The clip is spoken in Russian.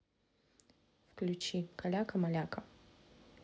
включи каляка маляка